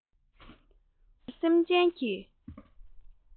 དགུན གྱི གྲང ངར སེམས ཅན གྱི